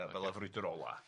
fel y frwydyr ola'.